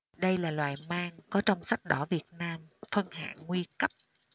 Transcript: đây là loài mang có trong sách đỏ việt nam phân hạng nguy cấp